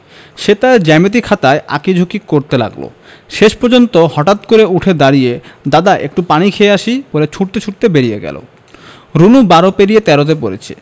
সে তার জ্যামিতি খাতায় আঁকি ঝুকি করতে লাগলো শেষ পর্যন্ত হঠাৎ উঠে দাড়িয়ে দাদা একটু পানি খেয়ে আসি বলে ছুটতে ছুটতে বেরিয়ে গেল রুনু বারো পেরিয়ে তেরোতে পড়েছে